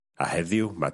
a heddiw ma'...